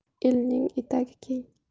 elning etagi keng